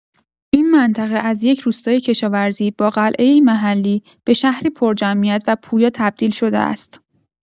این منطقه از یک روستای کشاورزی با قلعه‌ای محلی، به شهری پرجمعیت و پویا تبدیل شده است.